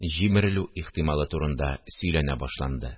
Җимерелү ихтималы турында сөйләнә башланды